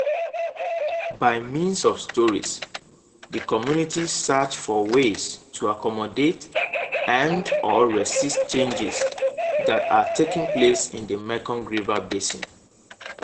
By means of stories, the communities search for ways to accommodate and/or resist changes that are taking place in the Mekong river basin.